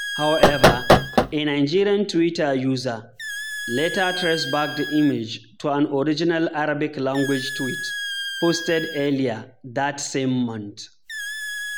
However, a Nigerian Twitter user later traced back the image to an original Arabic-language tweet posted earlier that same month.